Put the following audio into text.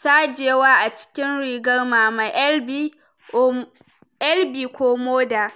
sajewa a ciki rigar mama (Elvie/Mother)